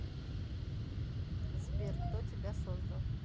сбер кто тебя создал